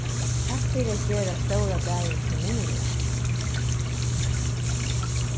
takk fyri at gera stóra dagin so minniligan